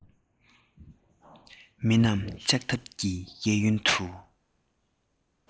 མི རྣམས ལྕགས ཐབ ཀྱི གཡས གཡོན དུ